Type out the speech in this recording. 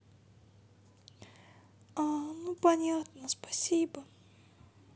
а ну понятно спасибо